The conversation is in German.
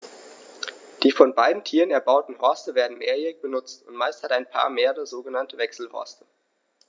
Die von beiden Tieren erbauten Horste werden mehrjährig benutzt, und meist hat ein Paar mehrere sogenannte Wechselhorste.